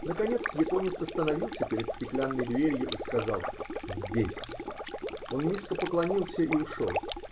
Наконец японец остановился перед стеклянной дверью и сказал: -- Здесь. Он низко поклонился и ушел.